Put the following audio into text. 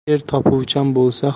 er topuvchan bo'lsa